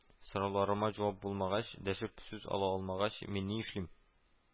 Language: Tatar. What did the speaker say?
Сорауларыма җавап булмагач, дәшеп сүз ала алмагач, мин ни эшлим